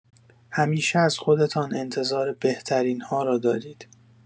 همیشه از خودتان انتظار بهترین‌ها را دارید.